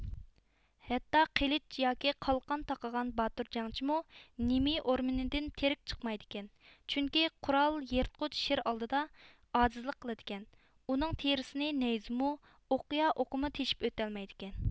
ھەتتا قىلىچ ياكى قالقان تاقىغان باتۇر جەڭچىمۇ نېمېي ئورمىنىدىن تىرىك چىقمايدىكەن چۈنكى قورال يىرتقۇچ شىر ئالدىدا ئاجىزلىق قىلىدىكەن ئۇنىڭ تېرىسىنى نەيزىمۇ ئوقيا ئوقىمۇ تېشىپ ئۆتەلمەيدىكەن